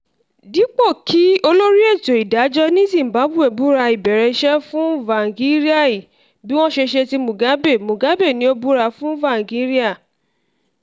Dípò kí Olórí Ètò Ìdájọ́ ní Zimbabwe búra ìbẹ̀rẹ̀ iṣẹ́ fún Tsvangirai bí wọ́n ṣe ṣe ti Mugabe, Mugabe ni ó búra fún Tsvangirai.